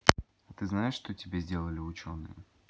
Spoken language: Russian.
а ты знаешь что тебя сделали ученые